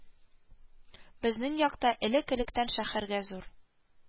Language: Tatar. Безнең якта элек-электән шә әрәгә зур